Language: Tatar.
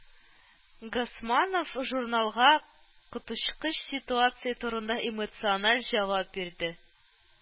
Госманов журналга коточкыч ситуация турында эмоциональ җавап бирде.